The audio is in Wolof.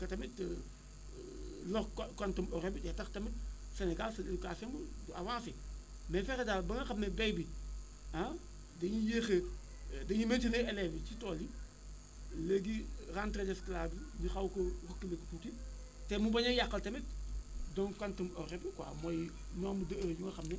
parce que tamit lor quantum horraire bi day tax tamit Sénégal seen éducation du avancée mais fexe daal ba nga xam ne béy bi ah dañuy yéex a dañuy maintenir élèves yi ci tool yi léegi rentrée des classes yi ñu xaw koo reculer tuuti te mu bañ a yàqal tamit donc quantum horraire bi quoi mooy nombre de heures yu nga xam ne